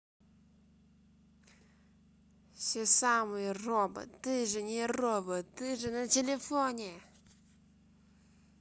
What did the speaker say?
все самое робот ты же не робот ты же на телефоне